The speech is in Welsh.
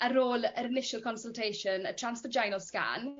ar ôl yr initial consultation y trans vaginal scan